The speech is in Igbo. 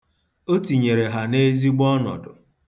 O tinyere ha n'ezigbo ọnọdụ.